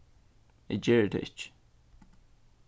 eg geri tað ikki